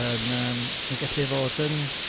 yn yym yn gallu fod yn